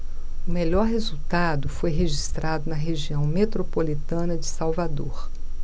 o melhor resultado foi registrado na região metropolitana de salvador